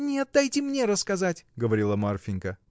— Нет, дайте мне рассказать, — говорила Марфинька.